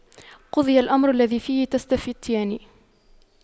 قُضِيَ الأَمرُ الَّذِي فِيهِ تَستَفِتيَانِ